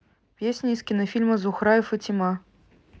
песня из кинофильма зухра и фатима